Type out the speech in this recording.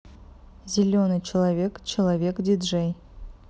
зеленый человечек человечек диджей